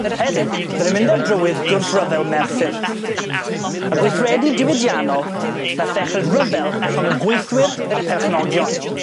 Heddiw fyddai'n mynd ar drywydd gwrthryfel Merthyr y gweithredu diwydiannol nath ddechre ryfel rhwng y gweithwyr a'r perchnogion.